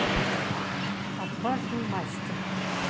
отважный мастер